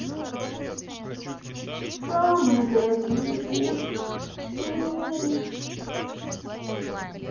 самые дорогие кошки в мире